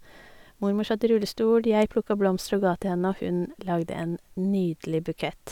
Mormor satt i rullestol, jeg plukka blomster og gav til henne, og hun lagde en nydelig bukett.